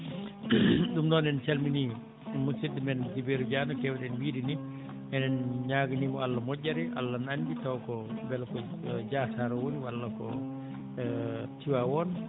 ɗum noon en calminii musidɗo men Djiru Dia no keewɗen wiide ni enen ñaaganii mo Allah moƴƴere Allah ne anndi taw ko mbela ko Diatar walla ko Tivaouane